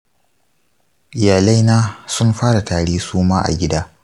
iyalai na sun fara tari su ma a gida.